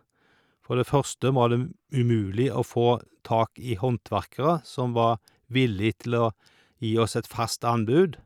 For det første var det m umulig å få tak i håndverkere som var villig til å gi oss et fast anbud.